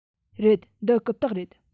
རེད འདི རྐུབ སྟེགས རེད